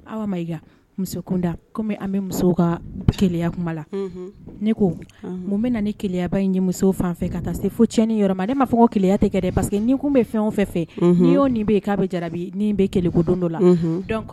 An ka kuma ne ko bɛ na ni keba in ye muso fan fɛ ka taa se fo tiɲɛn ni yɔrɔ ma de b'a fɔ ko ke tɛseke kun bɛ fɛn o fɛ' y' k'a bɛ jara bɛ ke ko don dɔ la